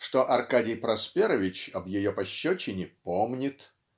что Аркадий Просперович об ее пощечине помнит.